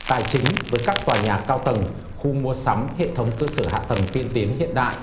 tài chính với các tòa nhà cao tầng khu mua sắm hệ thống cơ sở hạ tầng tiên tiến hiện đại